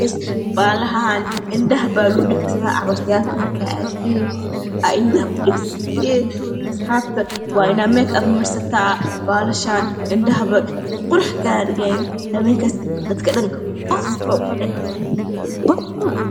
Bahalahan indhahaa lagudhagsadaa aroosyada asxaabta waa inaad mekap marsataa indhaha qurax kaagadhigayaan habenkas dadkadhan